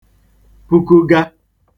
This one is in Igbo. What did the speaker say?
pukuga